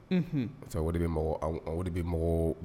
Un parce que o de bɛ o de bɛ mɔgɔ